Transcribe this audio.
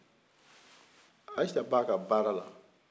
ayisa b'a ka baara la